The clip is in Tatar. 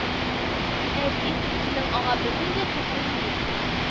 Ә бит, синең аңа бернинди хокукың юк